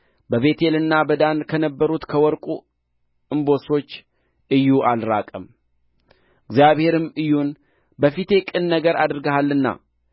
በቤቴልና በዳን ከነበሩት ከወርቁ እምቦሶች ኢዩ አልራቀም እግዚአብሔርም ኢዩን በፊቴ ቅን ነገር አድርገሃልና